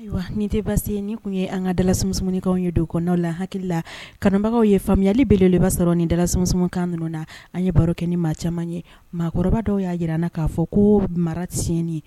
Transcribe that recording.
Ayiwa ni tɛbase nin tun ye an ka dalasumunikan ye don kɔnɔw la hakili la kan ye fa faamuyayali b de b'a sɔrɔ nin dalasumsumkan ninnu na an ye barok ni maa caman ye maakɔrɔba dɔw y'a jirara na k'a fɔ ko maratiyi